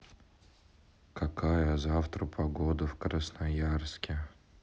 какая завтра погода в красноярске